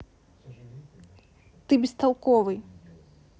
ты бестолковый